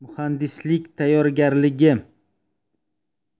muhandislik tayyorgarligi